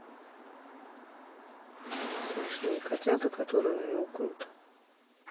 смешные котята которые мяукают